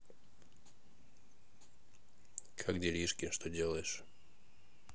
как делишки что делаешь